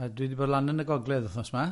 A dwi di bod lân yn y Gogledd wthnos ma.